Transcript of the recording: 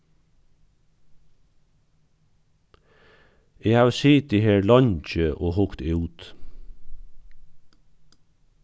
eg havi sitið her leingi og hugt út